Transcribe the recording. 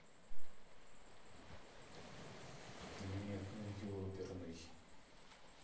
нет ну еперный